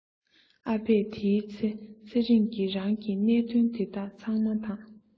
ཨ ཕས དེའི ཚེ ཚེ རིང གི རང གི གནད དོན དེ དག ཚང མ དང